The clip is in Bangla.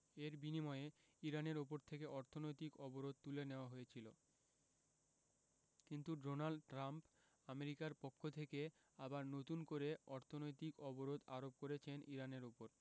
এর বিনিময়ে ইরানের ওপর থেকে অর্থনৈতিক অবরোধ তুলে নেওয়া হয়েছিল কিন্তু ডোনাল্ড ট্রাম্প আমেরিকার পক্ষ থেকে আবার নতুন করে অর্থনৈতিক অবরোধ আরোপ করেছেন ইরানের ওপর